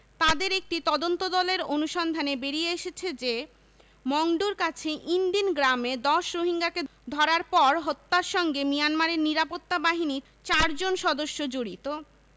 তাদের একটি তদন্তদলের অনুসন্ধানে বেরিয়ে এসেছে যে মংডুর কাছে ইনদিন গ্রামে ১০ রোহিঙ্গাকে ধরার পর হত্যার সঙ্গে মিয়ানমারের নিরাপত্তা বাহিনীর চারজন সদস্য জড়িত